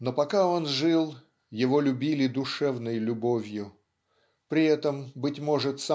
Но пока он жил, его любили душевной любовью. При этом быть может